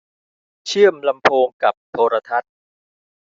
เชื่อลำโพงกับโทรทัศน์